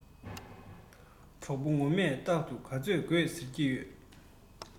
གྲོགས པོ ངོ མས རྟག དུ ག ཚོད དགོས ཟེར གྱི ཡོད